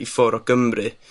...i ffwr' o Gymru.